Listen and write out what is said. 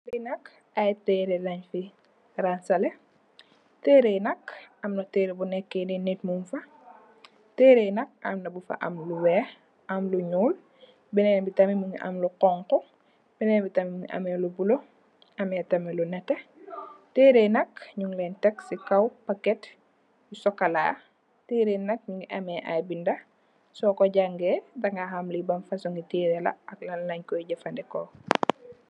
Fi nak ay teré lèèn fi ranseleh, teré yi nak am na teré yi nekkè nit muñ fa. Teré yi nak am na bu fa am lu wèèx am lu ñuul benen bi tamit mugii am lu xonxu, benen bi tamit mugii ameh lu bula, ameh tamit lu netteh. Teré yi nak ñing lèèn tèk ci kaw paket sokola teré yi nak ñu ngi ameh ay bindé, so ko jangèè di ga xam li ban fasungi teré la ak lan lañ koy jafandiko.